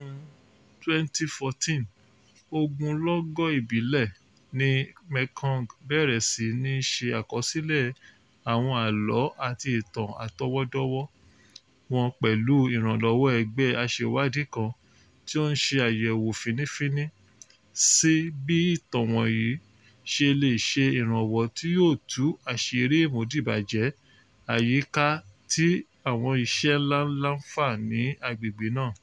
Ní ọdún 2014, ogunlọ́gọ̀ ìbílẹ̀ ní Mekong bẹ̀rẹ̀ sí ní í ṣe àkọsílẹ̀ àwọn àlọ́ àti ìtàn àtọwọ́dọ́wọ́ọ wọn pẹ̀lú ìrànlọ́wọ́ ẹgbẹ́ aṣèwádìí kan tí ó ń ṣe àyẹ̀wò fínnífínní sí bí ìtàn wọ̀nyí ṣe lè ṣe ìrànwọ́ tí yóò tú àṣìírí ìmúdìbàjẹ́ àyíká tí àwọn iṣẹ́ ńláǹlà ń fà ní agbègbè náà.